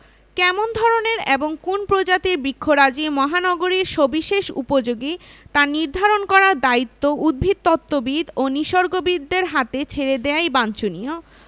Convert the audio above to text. কেমন ধরনের এবং কোন্ প্রজাতির বৃক্ষরাজি মহানগরীর সবিশেষ উপযোগী তা নির্ধারণ করার দায়িত্ব উদ্ভিদতত্ত্ববিদ ও নিসর্গবিদদের হাতে ছেড়ে দেয়াই বাঞ্ছনীয়